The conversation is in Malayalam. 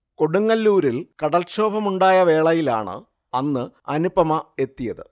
കൊടുങ്ങല്ലൂരിൽ കടൽക്ഷോഭമുണ്ടായ വേളയിലാണ് അന്ന് അനുപമ എത്തിയത്